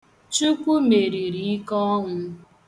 Chukwu meriri ike ọnwụ.